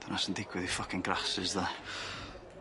Dyna sy'n digwydd i ffwcin grasses dde.